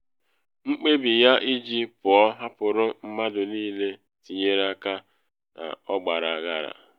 Mkpebi ya iji pụọ hapụrụ mmadụ niile tinyere aka n’ọgbaghara.